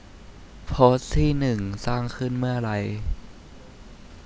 โพสต์ที่หนึ่งสร้างขึ้นเมื่อไร